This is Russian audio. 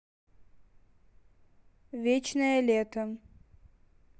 вечное лето